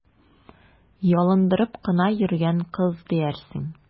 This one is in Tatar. Ялындырып кына йөргән кыз диярсең!